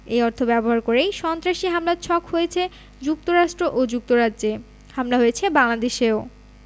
এই অর্থ ব্যবহার করেই সন্ত্রাসী হামলার ছক হয়েছে যুক্তরাষ্ট্র ও যুক্তরাজ্যে হামলা হয়েছে বাংলাদেশেও